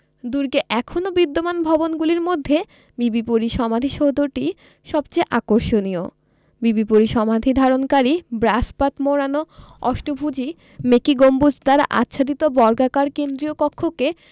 দুর্গে এখনও বিদ্যমান ভবনগুলির মধ্যে বিবি পরীর সমাধিসৌধটি সবচেয়ে আকর্ষণীয় বিবি পরীর সমাধি ধারণকারী ব্রাস পাত মোড়ানো অষ্টভুজী মেকী গম্বুজ দ্বারা আচ্ছাদিত বর্গাকার কেন্দ্রীয় কক্ষকে